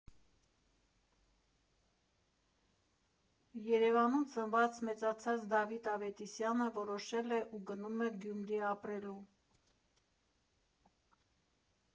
Երևանում ծնված֊մեծացած Դավիթ Ավետիսյանը որոշել է ու գնում է Գյումրի ապրելու։